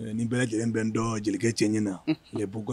Nin bɛɛ lajɛlen bɛ dɔn Jelikɛ cɛɲina, unhun